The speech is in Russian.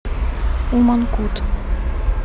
ummon cut